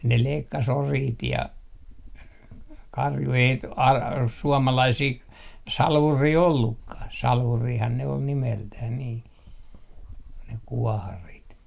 ne leikkasi oriit ja karjun ei - suomalaisia - salvureita ollutkaan salvurihan ne oli nimeltään niin ne kuoharit